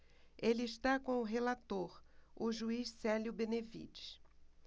ele está com o relator o juiz célio benevides